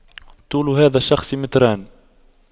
طول هذا الشخص متران